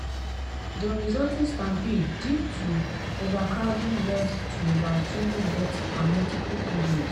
The resulting stampede due to overcrowding led to about 20 deaths and multiple injuries.